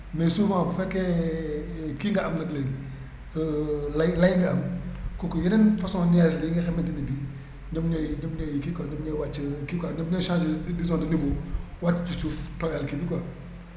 mais souvent bu fekkee kii nga am nag léegi lay lay nga am kooku yeneen façon nuage yi nga xamante ne bii ñoom ñooy ñoom ñooy kii quoi ñoom ñoo wàcc kii quoi ñoom ñooy changé disons de niveau wàcc ci suuf * kii bi quoi